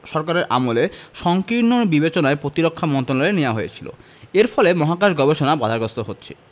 সরকারের আমলে সংকীর্ণ বিবেচনায় প্রতিরক্ষা মন্ত্রণালয়ে নেওয়া হয়েছিল এর ফলে মহাকাশ গবেষণা বাধাগ্রস্ত হচ্ছে